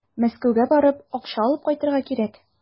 Мәскәүгә барып, акча алып кайтырга кирәк.